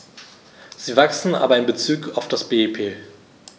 Sie wachsen, aber in bezug auf das BIP.